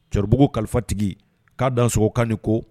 Cɛribugu kalifatigi k'a dan sɔgɔ k'a n'i ko.